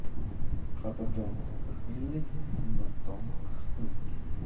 qadrdon qirq yillik qimmatdon qirq kunlik